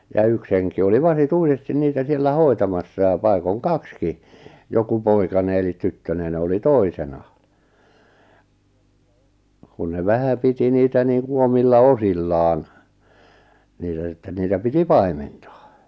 ja yksi henki oli vasituisesti niitä siellä hoitamassa ja paikoin kaksikin joku poikanen eli tyttönen oli toisena kun ne vähän piti niitä niin kuin omilla osillaan niitä sitten niitä piti paimenta